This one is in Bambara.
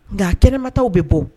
Nka kɛnɛmatɔw bɛ bɔ